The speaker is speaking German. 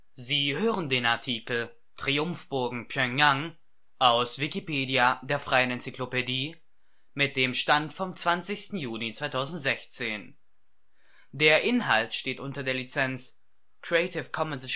Sie hören den Artikel Triumphbogen (Pjöngjang), aus Wikipedia, der freien Enzyklopädie. Mit dem Stand vom Der Inhalt steht unter der Lizenz Creative Commons